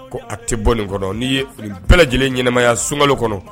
Ko a tɛ bɔ nin kɔnɔ n'i ye bɛɛ lajɛlen ɲɛnaɛnɛmaya sunka kɔnɔ